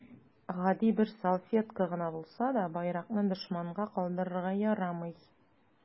Гади бер салфетка гына булса да, байракны дошманга калдырырга ярамый.